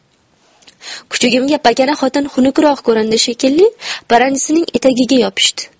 kuchugimga pakana xotin xunukroq ko'rindi shekilli paranjisining etagiga yopishdi